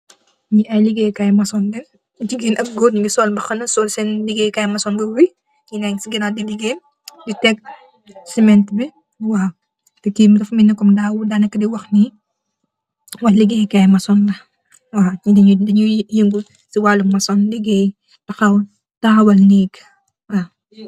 Nyi ay ligaye kayi masong Lene, jigene ak goor. Nyu ngi sol mbahana, sol sen ligaye kayi masong mbubu bi. Nyenen yang c kanaw di ligaye di tek sima bi. Teh ki dafa melni da neka di wahh ni, wah ligaye kayi masong la. Denyo yengu c walu masong, ligaye tahawal nake.